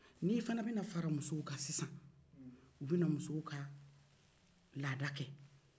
n'i fana bɛ na fara musow kan sisan o bɛ na musow ka lada kɛ